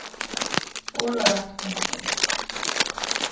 orðarætt punktum